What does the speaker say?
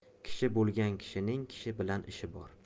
kishi bo'lgan kishining kishi bilan ishi bor